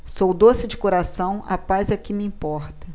sou doce de coração a paz é que me importa